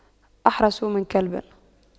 أحرس من كلب